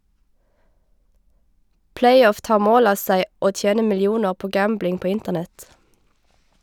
Playoff tar mål av seg å tjene millioner på gambling på internett.